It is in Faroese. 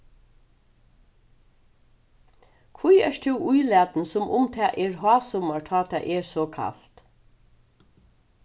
hví ert tú ílatin sum um tað er hásummar tá tað er so kalt